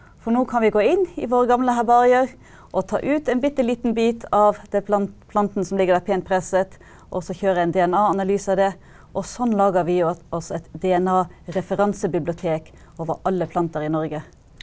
for nå kan vi gå inn i våre gamle herbarier og ta ut en bitte liten bit av det planten som ligger der pent presset, og så kjøre en DNA-analyse av det og sånn lager vi oss et DNA-referansebibliotek over alle planter i Norge.